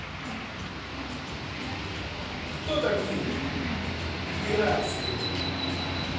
кто такие пидерации